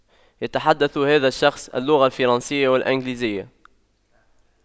يتحدث هذا الشخص اللغة الفرنسية والإنجليزية